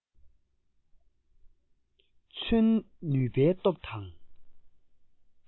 མཚོན ནུས པའི སྟོབས དང